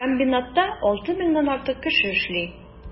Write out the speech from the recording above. Комбинатта 6 меңнән артык кеше эшли.